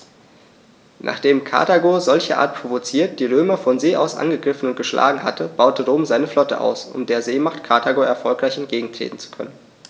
Nachdem Karthago, solcherart provoziert, die Römer von See aus angegriffen und geschlagen hatte, baute Rom seine Flotte aus, um der Seemacht Karthago erfolgreich entgegentreten zu können.